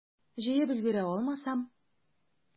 Җыеп өлгерә алмасам?